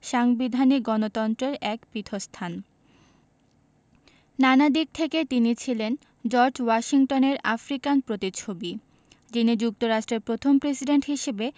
সাংবিধানিক গণতন্ত্রের এক পীঠস্থান নানা দিক থেকে তিনি ছিলেন জর্জ ওয়াশিংটনের আফ্রিকান প্রতিচ্ছবি যিনি যুক্তরাষ্ট্রের প্রথম প্রেসিডেন্ট হিসেবে